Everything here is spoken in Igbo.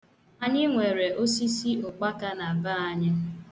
Anyị nwere osisi ụkpaka na be anyị.